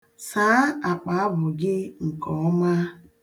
Saa akpaabụ gi ̣nkeọma.